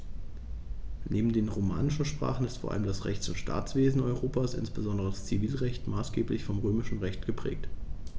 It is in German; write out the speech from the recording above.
Neben den romanischen Sprachen ist vor allem das Rechts- und Staatswesen Europas, insbesondere das Zivilrecht, maßgeblich vom Römischen Recht geprägt.